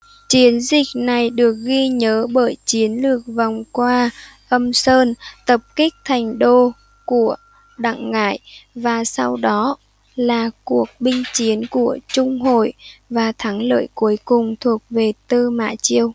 chiến dịch này được ghi nhớ bởi chiến lược vòng qua âm sơn tập kích thành đô của đặng ngải và sau đó là cuộc binh biến của chung hội và thắng lợi cuối cùng thuộc về tư mã chiêu